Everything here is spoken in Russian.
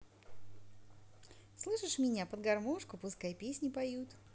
слышь меня под гармошку пускай песни поют